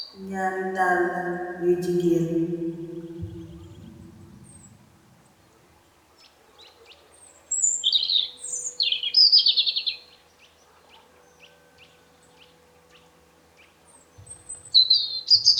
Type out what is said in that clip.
Ñaari dalla yu gigeen.